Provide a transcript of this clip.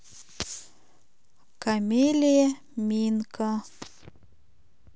камелия минка